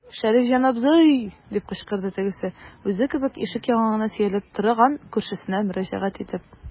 Шәрифҗан абзый, - дип кычкырды тегесе, үзе кебек ишек яңагына сөялеп торган күршесенә мөрәҗәгать итеп.